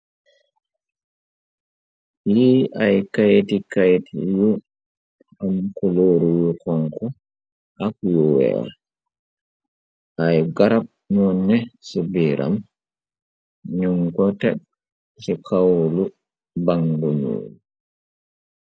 Lii ay kaytikayt yu am kulóoru yu xonk ak yu weel ay garab no ne ci biiram nungote ci kawulu bangu nuwu.